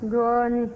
dɔɔnin